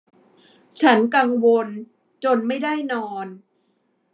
ฉันกังวลจนไม่ได้นอน